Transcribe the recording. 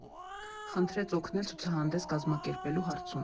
Խնդրեց օգնել ցուցահանդես կազմակերպելու հարցում։